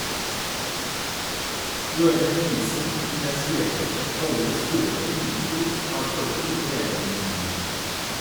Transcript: Ørbeck-Nilssen understreket at alle store ulykker har ført til regelendringer.